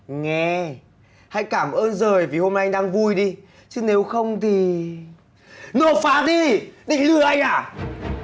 nghe hãy cảm ơn dời vì hôm nay anh đang vui đi chứ nếu không thì nộp phạt đi định lừa anh à